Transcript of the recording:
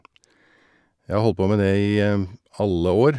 Jeg har holdt på med det i alle år.